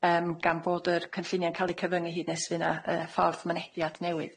yym gan bod yr cynllunie'n ca'l eu cyfyngu hyd nes fy' 'na yy ffordd mynediad newydd.